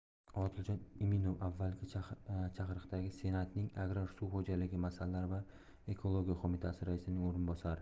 odiljon iminov avvalgi chaqiriqdagi senatning agrar suv xo'jaligi masalalari va ekologiya qo'mitasi raisining o'rinbosari